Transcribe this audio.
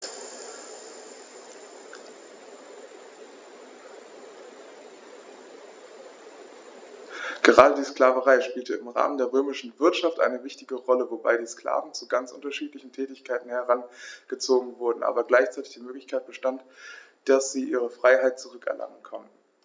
Gerade die Sklaverei spielte im Rahmen der römischen Wirtschaft eine wichtige Rolle, wobei die Sklaven zu ganz unterschiedlichen Tätigkeiten herangezogen wurden, aber gleichzeitig die Möglichkeit bestand, dass sie ihre Freiheit zurück erlangen konnten.